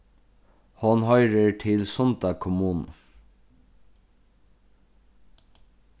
hon hoyrir til sunda kommunu